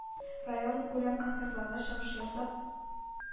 Районкүләм концертларда чыгыш ясап,